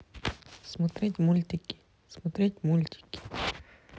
смотреть мультики смотреть мультики